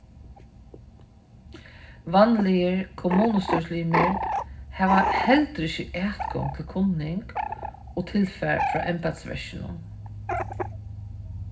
vanligir kommunustýrislimir hava heldur ikki atgongd til kunning og tilfar frá embætisverkinum